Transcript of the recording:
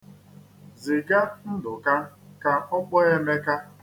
Ziga Nduka ka ọ kpọọ Emeka.